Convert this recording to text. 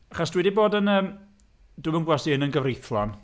Achos dwi 'di bod yn yym... Dwi ddim yn gwybod os ydy hyn yn gyfreithlon...